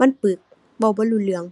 มันปึก เว้าบ่รู้เรื่อง